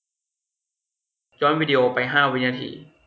ย้อนวีดีโอไปห้าวินาที